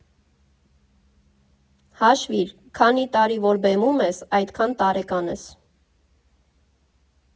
Հաշվիր՝ քանի տարի որ բեմում ես, այդքան տարեկան ես։